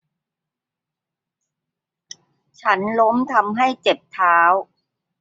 ฉันล้มทำให้เจ็บเท้า